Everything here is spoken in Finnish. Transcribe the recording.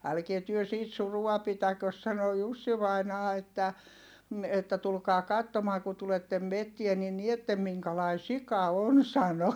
älkää te siitä surua pitäkö sanoi Jussi vainaja että - että tulkaa katsomaan kun tulette metsään niin näette minkälainen sika on sanoi